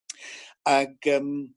ag yym